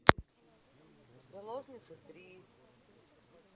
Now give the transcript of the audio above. заложница три